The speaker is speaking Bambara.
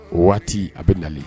O waati a bɛ nali